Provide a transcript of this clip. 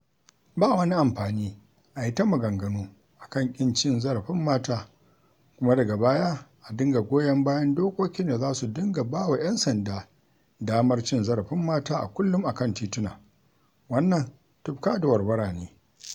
Ba wani amfani a yi ta maganganu a kan ƙin cin zarafin mata kuma daga baya a dinga goyon bayan dokokin da za su dinga ba wa 'yan sanda damar cin zarafin mata a kullum a kan tituna, wannan tufka da warwara ne!